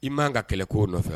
I maan ka kɛlɛ k'o nɔfɛ